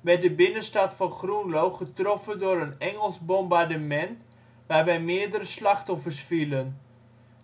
werd de binnenstad van Groenlo getroffen door een Engels bombardement, waarbij meerdere slachtoffers vielen.